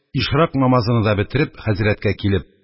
Ишракъ намазыны да бетереп, хәзрәткә килеп